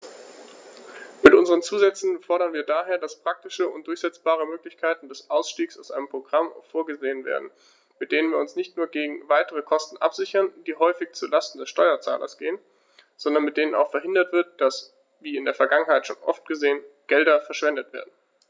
Mit unseren Zusätzen fordern wir daher, dass praktische und durchsetzbare Möglichkeiten des Ausstiegs aus einem Programm vorgesehen werden, mit denen wir uns nicht nur gegen weitere Kosten absichern, die häufig zu Lasten des Steuerzahlers gehen, sondern mit denen auch verhindert wird, dass, wie in der Vergangenheit so oft geschehen, Gelder verschwendet werden.